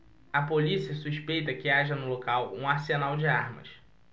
a polícia suspeita que haja no local um arsenal de armas